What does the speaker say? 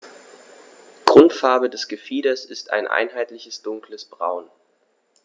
Grundfarbe des Gefieders ist ein einheitliches dunkles Braun.